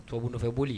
Tubabu nɔfɛ boli